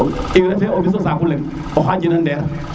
o mbiso saaku leng o xajina ndeer